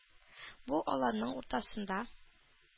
Бу аланның уртасында